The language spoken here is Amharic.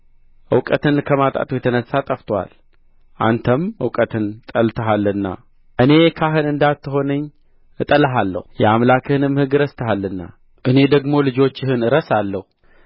እውቀት ከማጣቱ የተነሣ ጠፍቶአል አንተም እውቀትን ጠልተሃልና እኔ ካህን እንዳትሆነኝ እጠላሃለሁ የአምላክህንም ሕግ ረስተሃልና እኔ ደግሞ ልጆችህን እረሳለሁ